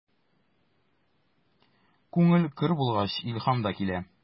Күңел көр булгач, илһам да килә.